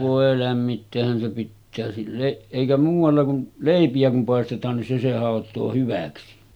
voi lämmittäähän se pitää sille eikä muualla kuin leipiä kun paistetaan niin se se hautoo hyväksi